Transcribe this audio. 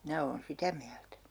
minä olen sitä mieltä